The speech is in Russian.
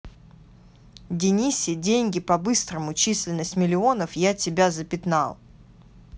денисе деньги по быстрому численность миллионов я тебя запятнал